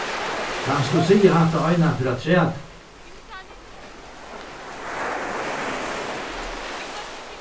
kanst tú siga hatta einaferð afturat